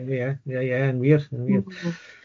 Ie ie yn wir yn wir.